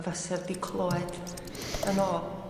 y faser 'di clywed yn ôl.